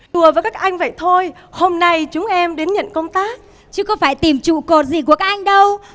đùa với các anh vậy thôi hôm nay chúng em đến nhận công tác chứ có phải tìm trụ cột gì của các anh đâu